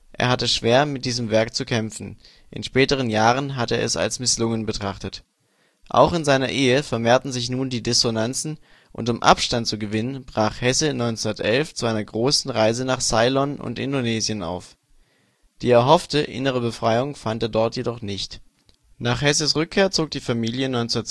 er hatte schwer mit diesem Werk zu kämpfen, in späteren Jahren hat er es als misslungen betrachtet. Auch in seiner Ehe vermehrten sich nun die Dissonanzen und um Abstand zu gewinnen, brach Hesse 1911 zu einer großen Reise nach Ceylon und Indonesien auf. Die erhoffte innere Befreiung fand er dort jedoch nicht. Nach Hesses Rückkehr zog die Familie 1912